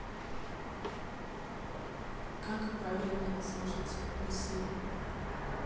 как правильно сложить бассейн